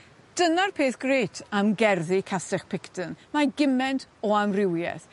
Dyna'r peth grêt am gerddi castell picton mae giment o amrywieth.